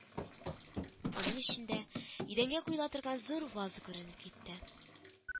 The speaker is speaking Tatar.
Аның эчендә идәнгә куела торган зур ваза күренеп китте